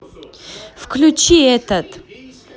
включи этот